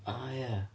O ie.